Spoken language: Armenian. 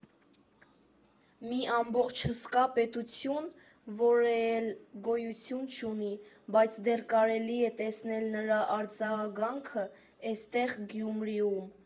Մի ամբողջ հսկա պետություն, որը էլ գոյություն չունի, բայց դեռ կարելի է տեսնել նրա արձագանքը էստեղ, Գյումրիում։